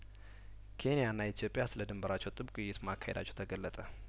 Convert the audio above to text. ኬንያና ኢትዮጵያ ስለድንበራቸው ጥብቅ ውይይት ማካሄዳቸው ተገለጠ